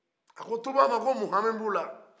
a ko tuba ma ko mun hami b'u la